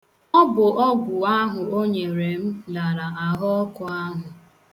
Ọ bụ ọgwụ ahụ o nyere m lara ahụọkụ ahụ.